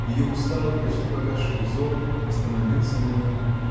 Ее усталый, почти погасший взор остановился на нем.